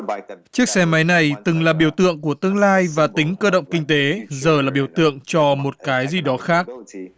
chiếc xe máy này từng là biểu tượng của tương lai và tính cơ động kinh tế giờ là biểu tượng cho một cái gì đó khác